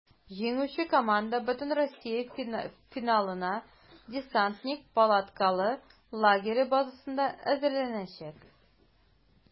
Җиңүче команда бөтенроссия финалына "Десантник" палаткалы лагере базасында әзерләнәчәк.